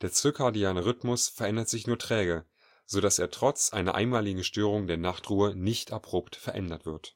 Der circadiane Rhythmus verändert sich nur träge, so dass er trotz einer einmaligen Störung der Nachtruhe nicht abrupt verändert wird